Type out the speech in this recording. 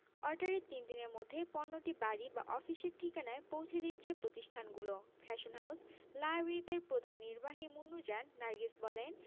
অর্ডারের তিন দিনের মধ্যে পণ্যটি বাড়ি বা অফিসের ঠিকানায় পৌঁছে দিচ্ছে প্রতিষ্ঠানগুলো ফ্যাশন হাউস লা রিবের প্রধান নির্বাহী মুন্নুজান নার্গিস বললেন